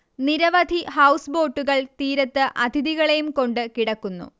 നിരവധി ഹൗസ് ബോട്ടുകൾ തീരത്ത് അതിഥികളെയും കൊണ്ട് കിടക്കുന്നു